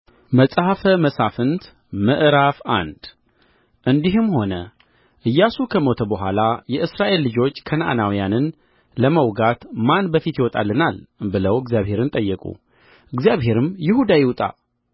መጽሐፈ መሣፍንት ምዕራፍ አንድ እንዲህም ሆነ ኢያሱ ከሞተ በኋላ የእስራኤል ልጆች ከነዓናውያንን ለመውጋት ማን በፊት ይወጣልናል ብለው እግዚአብሔርን ጠየቁ እግዚአብሔርም ይሁዳ ይውጣ